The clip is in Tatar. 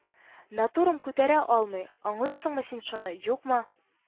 Натурам күтәрә алмый, аңлыйсыңмы син шуны, юкмы